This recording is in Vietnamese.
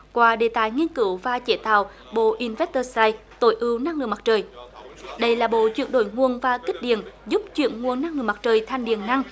qua đề tài nghiên cứu và chế tạo bộ in vét tơ sai tối ưu năng lượng mặt trời đây là bộ chuyển đổi nguồn và kích điện giúp chuyển nguồn năng lượng mặt trời thành điện năng